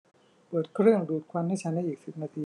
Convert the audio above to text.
เปิดเครื่องดูดควันให้ฉันในอีกสิบนาที